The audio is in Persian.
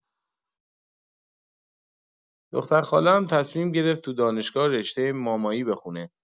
دخترخاله‌ام تصمیم گرفت تو دانشگاه رشته مامایی بخونه.